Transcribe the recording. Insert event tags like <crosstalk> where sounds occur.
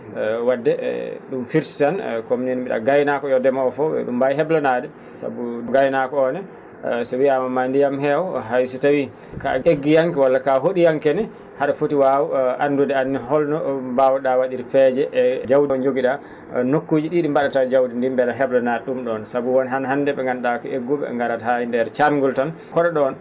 <hesitation> wadde ?um firti tan ko ngaynaako yo ndemoowo fo e?e mbaawi he?lanaade sabu gaynaako o ne so wiyaama ma ndiyam heew hayso tawi ko a heggiyanke walla ka ho?iyanke ne ha?a foti waaw anndude aan ne holno mbaaw?a wa?ir peeje e daw mo jogi?a nokkuuji ?ii ?o mba?ataa jawdi ndi mbele he?lanaade ?um ?oon sabu won hannde ?e nganndu?aa ko eggu?e ngarat haa e ndeer caa?ngol tan ko?a ?on